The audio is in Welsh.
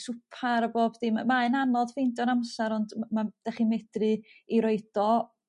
swpar a bob dim. Mae'n anodd ffeindo'r amsar ond m- ma'n dach chi medru 'i roid o